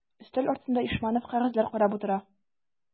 Өстәл артында Ишманов кәгазьләр карап утыра.